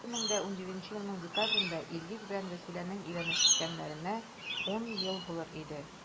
2017 елның декабрендә илгиз белән вәсиләнең өйләнешкәннәренә 10 ел булыр иде.